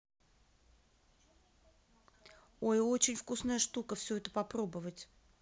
ой очень вкусная штука все это попробовать